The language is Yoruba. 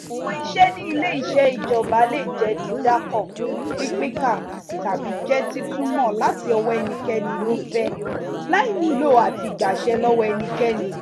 Àwọn iṣẹ́ ní ilé iṣẹ́ ìjọba le jẹ́ dídàkọ, pínpínká, tàbí jẹ́ títúmọ̀ láti ọwọ́ ẹnikẹ́ni lófẹ̀ẹ́ láì nílò àti gbàṣẹ lọ́wọ́ ẹnikẹ́ni.